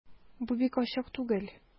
Бу бик ачык түгел...